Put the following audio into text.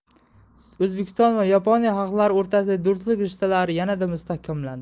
o'zbekiston va yaponiya xalqlari o'rtasidagi do'stlik rishtalari yanada mustahkamlandi